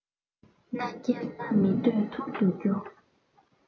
སྣ བསྐྱིལ ན མི སྡོད ཐུར དུ རྒྱུགས